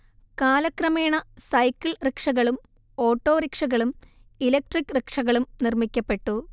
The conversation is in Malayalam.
കാലക്രമേണ സൈക്കിൾ റിക്ഷകളും ഓട്ടോറിക്ഷകളും ഇലക്ട്രിക് റിക്ഷകളും നിർമ്മിക്കപ്പെട്ടു